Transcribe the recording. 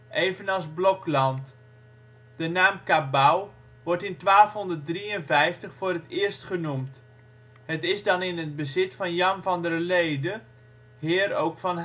evenals Blokland. De naam Cabauw wordt in 1253 voor het eerst genoemd. Het is dan in bezit van Jan van der Lede, heer ook van